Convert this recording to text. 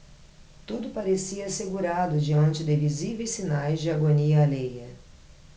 tudo parecia assegurado diante de visíveis sinais de agonia alheia